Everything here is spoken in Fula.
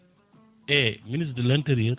e ministre de l' intérieur